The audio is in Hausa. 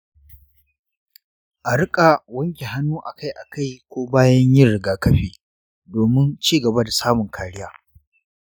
a rika wanke hannu akai-akai, ko bayan yin rigakafi, domin ci gaba da samun kariya.